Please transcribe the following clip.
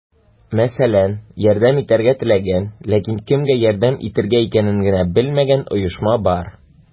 Мәсәлән, ярдәм итәргә теләгән, ләкин кемгә ярдәм итергә икәнен генә белмәгән оешма бар.